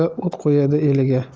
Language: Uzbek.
o't qo'yadi eliga